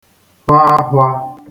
kwa ākwā